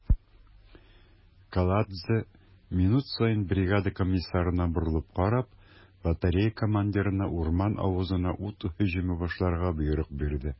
Каладзе, минут саен бригада комиссарына борылып карап, батарея командирына урман авызына ут һөҗүме башларга боерык бирде.